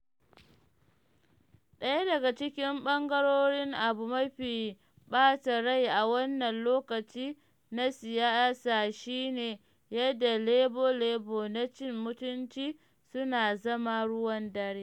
Daya daga cikin ɓangarorin abu mafi ɓata rai a wannan lokaci na siyasa shi ne yadda lebur-lebur na cin mutunci suna zama ruwan dare.